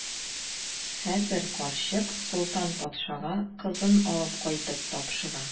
Хәзер карчык Солтан патшага кызын алып кайтып тапшыра.